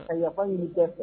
Ka yafa ɲini bɛɛ fɛ.